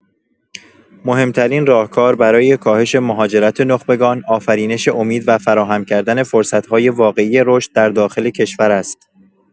مهم‌ترین راهکار برای کاهش مهاجرت نخبگان، آفرینش امید و فراهم کردن فرصت‌های واقعی رشد در داخل کشور است.